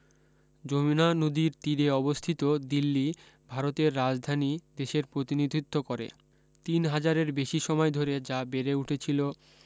যমুনা নদীর তীরে অবস্থিত দিল্লী ভারতের রাজধানী দেশের প্রতিনিধিত্ব করে তিন হাজারের বেশী সময় ধরে যা বেড়ে উঠছিল